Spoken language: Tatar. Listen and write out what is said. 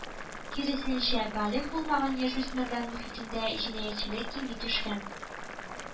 Киресенчә, балигъ булмаган яшүсмерләр мохитендә җинаятьчелек кими төшкән